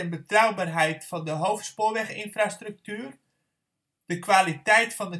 betrouwbaarheid van de hoofdspoorweginfrastructuur; - de kwaliteit van